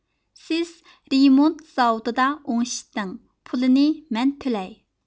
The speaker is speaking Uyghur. سىز رىمونت زاۋۇتىدا ئوڭشىتىڭ پۇلىنى مەن تۆلەي